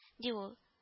– ди ул